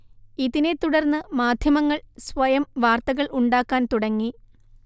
ഇതിനെ തുടർന്ന് മാധ്യമങ്ങൾ സ്വയം വാർത്തകൾ ഉണ്ടാക്കാൻ തുടങ്ങി